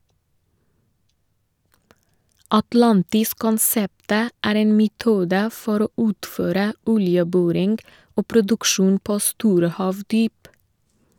Atlantis-konseptet er en metode for å utføre oljeboring og produksjon på store havdyp.